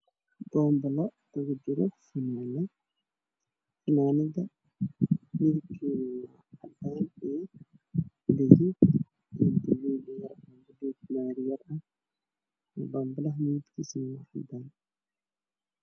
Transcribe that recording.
Taa ii muuqda fanaanad gacma gaab ah oo midabkeedu yahay haddaan guduud iyo buluug